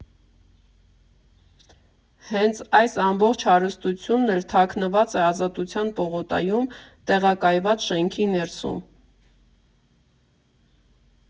Հենց այս ամբողջ հարստությունն էլ թաքնված է Ազատության պողոտայում տեղակայված շենքի ներսում։